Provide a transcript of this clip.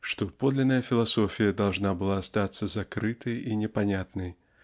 что подлинная философия должна была остаться закрытой и непонятной